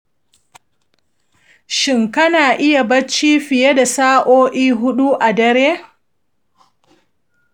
shin kana yin barci fiye da sa’o’i huɗu a dare?